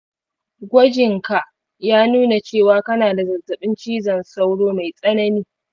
gwajinka ya nuna cewa kana da zazzabin cizon sauro mai tsanani